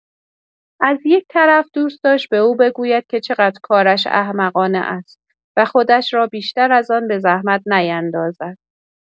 از یک‌طرف دوست داشت به او بگوید که چقدر کارش احمقانه است و خودش را بیشتر از آن به زحمت نیندازد.